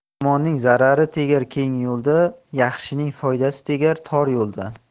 yomonning zarari tegar keng yo'lda yaxshining foydasi tegar tor yo'lda